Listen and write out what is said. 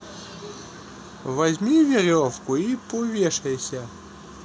возьми веревку и повешайся